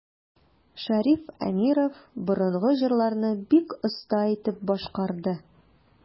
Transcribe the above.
Шәриф Әмиров борынгы җырларны бик оста итеп башкарды.